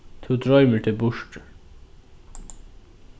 tú droymir teg burtur